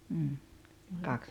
mm kaksi